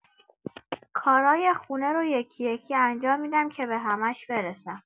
کارای خونه رو یکی‌یکی انجام می‌دم که به همه‌ش برسم.